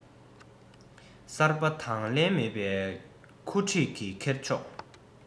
གསར པ དང ལེན མེད པའི ཁུ འཁྲིགས ཀྱི ཁེར ཕྱོགས